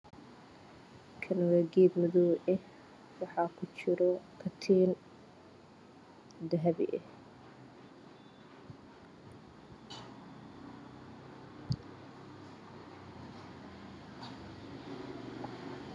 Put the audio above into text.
Kani waa ged madow eh wax ku jiro katiin dahabi eh